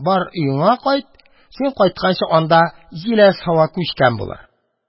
Бар, өеңә кайт, син кайтканчы, анда җиләс һава күчкән булыр.